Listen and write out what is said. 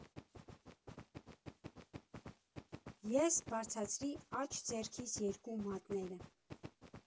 Ես բարձրացրի աջ ձեռքիս երկու մատները։